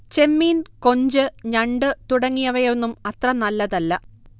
ചെമ്മീൻ, കൊഞ്ച്, ഞണ്ട് തുടങ്ങിയവയൊന്നും അത്ര നല്ലതല്ല